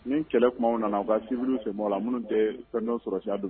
Ni kɛlɛ tuma nana u ka sibiw sen o la minnu tɛ fɛn sɔrɔsiya don